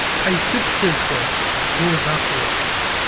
qaytib kelsa do'zax yo'q